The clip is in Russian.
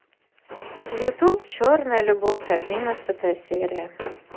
ютуб черная любовь одиннадцатая серия